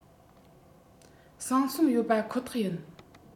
སངས སོང ཡོད པ ཁོ ཐག ཡིན